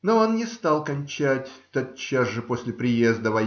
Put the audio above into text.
Но он не стал кончать тотчас же после приезда